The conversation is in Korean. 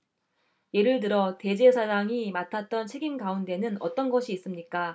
예를 들어 대제사장이 맡았던 책임 가운데는 어떤 것이 있습니까